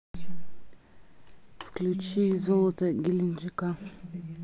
включи золото геленджика